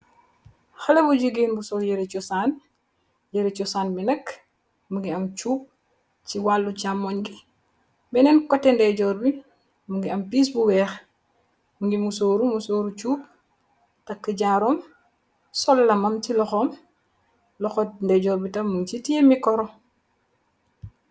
Halebu gigen bu sol yere chosan. yere chosan bi nak mu nge ameh chup si lohu chamugn bi. Benen koteh ndeyjor bi mugi ameh piss bu wey .mu nge mosoru mosoru re chup taka jaru sol lammam si luhom, luhu ndeyjor bi tamit munge si tai micro.